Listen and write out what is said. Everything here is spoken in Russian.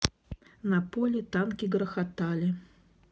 на поле танки грохотали